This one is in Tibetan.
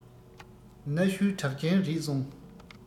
གནའ ཤུལ གྲགས ཅན རེད གསུངས